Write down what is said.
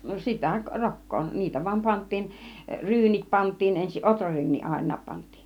no sitä rokkaa niitä vain pantiin ryynit pantiin ensin ohraryyniä aina pantiin